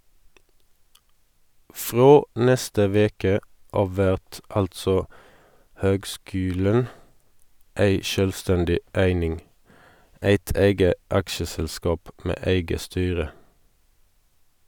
Frå neste veke av vert altså høgskulen ei sjølvstendig eining, eit eige aksjeselskap med eige styre.